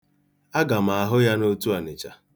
A ga-ahụ ya n'Otu Ọnịcha.